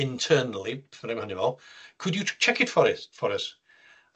internally... beth bynnag ma' hynny feddwl ...could you check it for is for us?